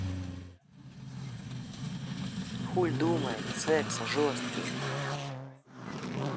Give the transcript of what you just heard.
хуль думает секс жесткий